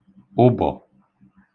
ụbọ̀